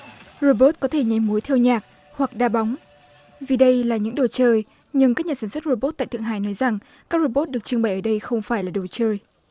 rô bốt có thể nhảy múa theo nhạc hoặc đá bóng vì đây là những đồ chơi nhưng các nhà sản xuất rô bốt tại thượng hải nói rằng các rô bốt được trưng bày ở đây không phải là đồ chơi